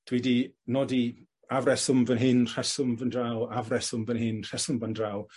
Dwi 'di nodi afreswm fan hyn rheswm f'n draw afreswm fan hyn rheswm fan draw,